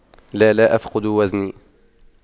لا لا أفقد وزني